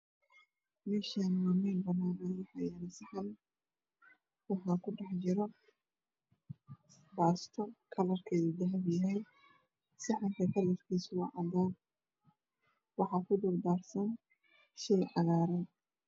Meeshaan waa meel banaan ah waxaa yaal saxan waxaa ku dhex jiro baasto kalarkeedu dahabi yahay. Saxan ka kalarkiisuna waa cadaan. waxa ku dul daasan shay cagaaran.